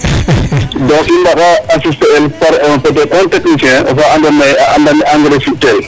Donc i mbara asister te el par un technicien oxa andoona yee a anda ne engrais fi'tel